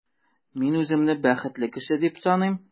Мин үземне бәхетле кеше дип саныйм.